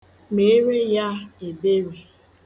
Meere ya ebere.